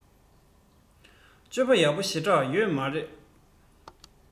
སྤྱོད པ ཡག པོ ཞེ དྲགས ཡོད མ རེད